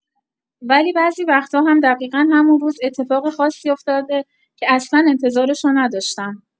ولی بعضی وقتا هم دقیقا همون روز اتفاق خاصی افتاده که اصلا انتظارشو نداشتم.